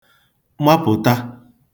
mapụ̀ta